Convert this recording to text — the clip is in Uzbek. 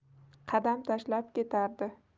qadam tashlab ketardi